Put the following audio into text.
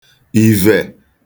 ìvhè